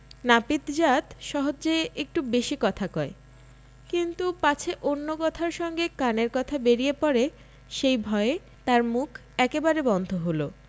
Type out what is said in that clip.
নাপিত জাত সহজে একটু বেশী কথা কয় কিন্তু পাছে অন্য কথার সঙ্গে কানের কথা বেরিয়ে পড়ে সেই ভয়ে তার মুখ একেবারে বন্ধ হল